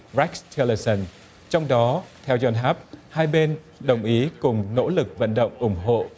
rếch tiu lơ xơn trong đó theo ron háp hai bên đồng ý cùng nỗ lực vận động ủng hộ